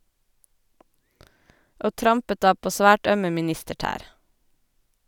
Og trampet da på svært ømme ministertær.